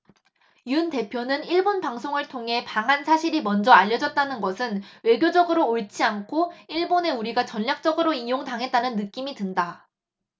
윤 대표는 일본 방송을 통해 방한 사실이 먼저 알려졌다는 것은 외교적으로 옳지 않고 일본에 우리가 전략적으로 이용당한다는 느낌이 든다